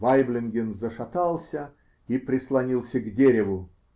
Вайблинген зашатался и прислонился к дереву.